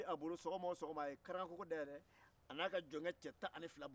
ani dɔ wɛrɛ ka u diyaɲɛ tɔgɔ dɔ da u kɔrɔkɛla o bɛɛ bɛ digi u la